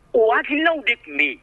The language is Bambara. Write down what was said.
Waatiinaw de tun bɛ yen